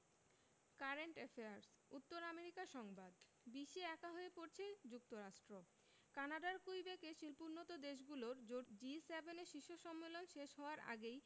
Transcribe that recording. current affairs উত্তর America সংবাদ বিশ্বে একা হয়ে পড়ছে যুক্তরাষ্ট্র কানাডার কুইবেকে শিল্পোন্নত দেশগুলোর জোট জি ৭ এর শীর্ষ সম্মেলন শেষ হওয়ার আগেই